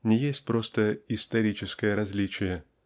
не есть просто "историческое" различие.